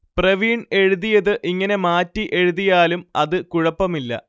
പ്രവീൺ എഴുതിയത് ഇങ്ങനെ മാറ്റി എഴുതിയാലും അത് കുഴപ്പമില്ല